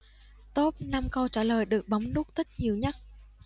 top năm câu trả lời được bấm nút thích nhiều nhất